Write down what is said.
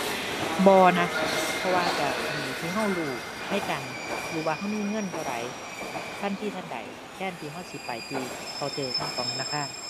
บ่นะ เพราะว่าก็ดีที่ก็รู้ในการรู้ว่าก็มีเงินเท่าใด ทันทีทันใด แทนที่ก็สิไปที่เคาน์เตอร์ของธนาคาร